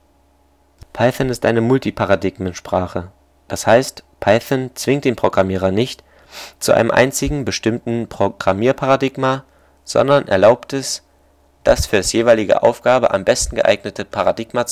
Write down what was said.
Python ist eine Multiparadigmensprache. Das heißt, Python zwingt den Programmierer nicht zu einem einzigen bestimmten Programmierparadigma, sondern erlaubt es, das für die jeweilige Aufgabe am besten geeignete Paradigma